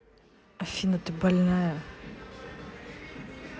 афина ты больная